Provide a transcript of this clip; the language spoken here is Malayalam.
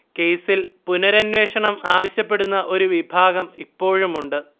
കേസിൽ പുനരന്വേഷണം ആവശ്യപ്പെടുന്ന ഒരു വിഭാഗം ഇപ്പോഴുമുണ്ട്